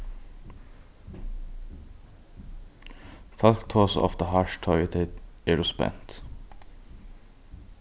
fólk tosa ofta hart tá ið tey eru spent